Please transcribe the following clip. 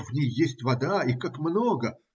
в ней есть вода - и как много!